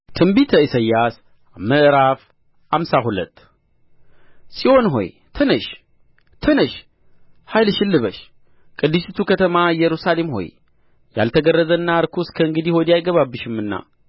ትንቢተ ኢሳይያስ ምዕራፍ ሃምሳ ሁለት ጽዮን ሆይ ተነሺ ተነሺ ኃይልሽን ልበሺ ቅድስቲቱ ከተማ ኢየሩሳሌም ሆይ ያልተገረዘና ርኩስ ከእንግዲህ ወዲህ አይገባብሽምና